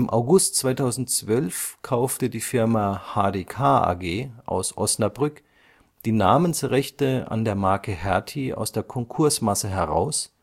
August 2012 kaufte die Firma HDK AG aus Osnabrück die Namensrechte an der Marke „ Hertie “aus der Konkursmasse heraus